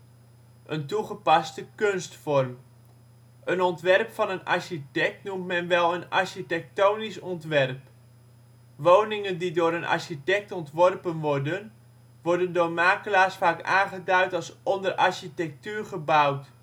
een toegepaste kunstvorm. Een ontwerp van een architect noemt men wel een architectonisch ontwerp. Woningen die door een architect ontworpen worden, worden door makelaars vaak aangeduid als onder architectuur gebouwd